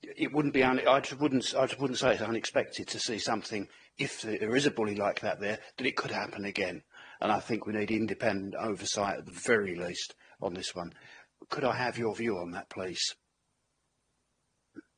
It wouldn't be an- I just wouldn't s- I just wouldn't say it's unexpected to see something if there is a bully like that there that it could happen again and I think we need independent oversight at the very least on this one. Could I have your view on that, please?